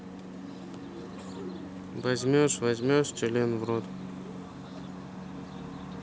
возьмешь возьмешь член в рот